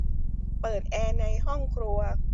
เปิดแอร์ในห้องครัว